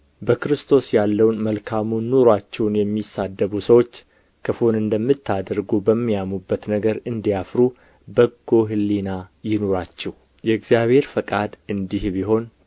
በክርስቶስ ያለውን መልካሙን ኑሮአችሁን የሚሳደቡ ሰዎች ክፉን እንደምታደርጉ በሚያሙበት ነገር እንዲያፍሩ በጎ ሕሊና ይኑራችሁ የእግዚአብሔር ፈቃድ እንዲህ ቢሆን